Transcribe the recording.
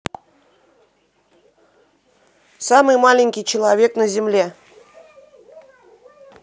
самый маленький человек на земле